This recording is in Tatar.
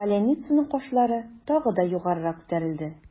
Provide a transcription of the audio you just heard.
Поляницаның кашлары тагы да югарырак күтәрелде.